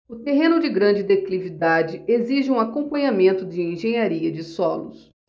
o terreno de grande declividade exige um acompanhamento de engenharia de solos